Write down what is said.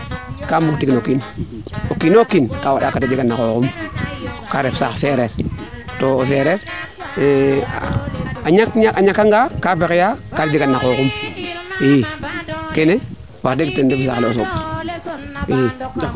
ka bug tig no kiin o kiino kiin ka wanda kaate jegan na xooxum kaa ref saax sereer to o sereer a ñaka nga kaa fexeya a jega na xoxum keene wax deg ten ref o saax le o sooɓ